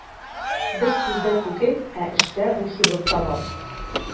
Без сүздә түгел, ә эштә рухилык табабыз.